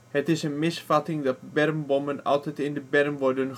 Het is een misvatting dat bermbommen altijd in de berm worden